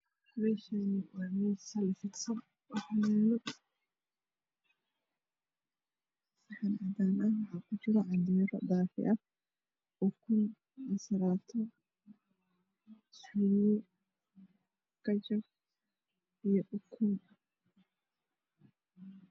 Meeshaani waa miis waxaa yaalo saxan cadaan waxa ku jiro ukun madow iyo ukun